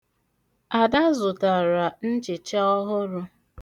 Ada zụtara nchicha ọhụrụ.